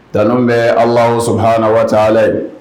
Nkalon bɛ ala so hana waa ye